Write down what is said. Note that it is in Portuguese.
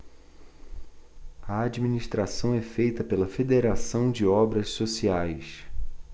a administração é feita pela fos federação de obras sociais